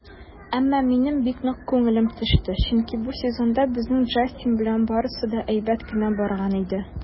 Әмма минем бик нык күңелем төште, чөнки бу сезонда безнең Джастин белән барысы да әйбәт кенә барган иде.